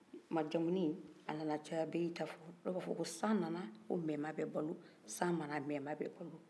majamuli nana caya bɛɛ y'i ta fɔ san nana ko mɛma bɛ balo san mann ko mɛma bɛ balo